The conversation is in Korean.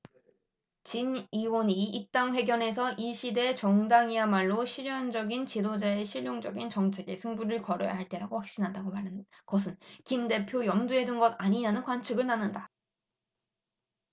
진 의원이 입당 회견에서 이 시대 정당이야말로 실천적인 지도자의 실용적인 정책에 승부를 걸어야 할 때라고 확신한다고 말한 것은 김 대표를 염두에 둔 것 아니냐는 관측을 낳는다